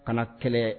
Kana na kɛlɛ